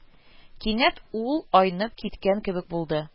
Кинәт ул айнып киткән кебек булды